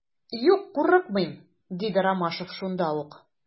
Юк, курыкмыйм, - диде Ромашов шунда ук.